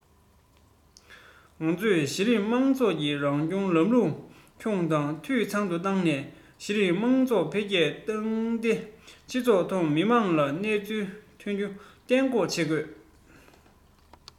ང ཚོས གཞི རིམ མང ཚོགས ཀྱི རང སྐྱོང ལམ ལུགས མཐའ འཁྱོངས དང འཐུས ཚང དུ བཏང ནས གཞི རིམ དམངས གཙོ འཕེལ རྒྱས བཏང སྟེ ཕྱི ཚུལ ཐོག མི དམངས ལ སྣང ཚུལ ཐོན རྒྱུ གཏན འགོག བྱེད དགོས